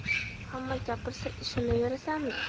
hamma gapirsa ishonaverasanmi